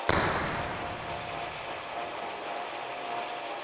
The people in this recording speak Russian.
второе апреля